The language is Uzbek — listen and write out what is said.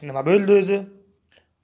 nima bo'ldi o'zi